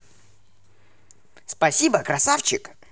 спасибо красавчик